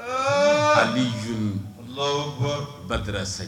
Eeee Aliyun Alahuwakbar Badara Saj